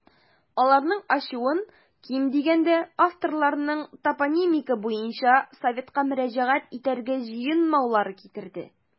Аларның ачуын, ким дигәндә, авторларның топонимика буенча советка мөрәҗәгать итәргә җыенмаулары китерде.